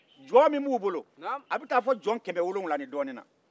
jɔn min b'u bolo a bɛ taa fɔ jɔn kɛmɛwolonwula ni dɔnin na